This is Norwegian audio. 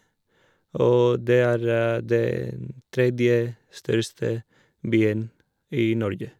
Og det er den tredje største byen i Norge.